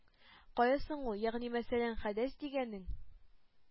Кая соң ул, ягъни мәсәлән, хәдәс дигәнең?